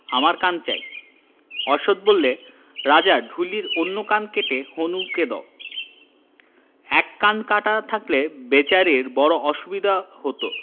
আমার কান চাই অশ্বখ বললে রাজা ঢুলির অন্য কান কেটে হনুকে দাও এক কান কাটা থাকলে বেচারির বড়ো অসুবিধা হত